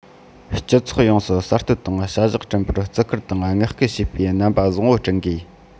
སྤྱི ཚོགས ཡོངས སུ གསར གཏོད དང བྱ གཞག སྐྲུན པར བརྩི བཀུར དང བསྔགས སྐུལ བྱེད པའི རྣམ པ བཟང པོ བསྐྲུན དགོས